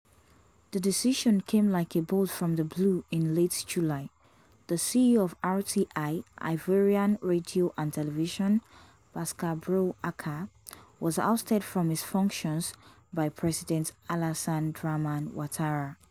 The decision came like a bolt from the blue in late July: The CEO of RTI (Ivorian Radio and Television), Pascal Brou Aka, was ousted from his functions by President Alassane Dramane Ouattara.